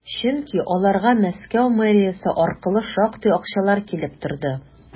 Чөнки аларга Мәскәү мэриясе аркылы шактый акчалар килеп торды.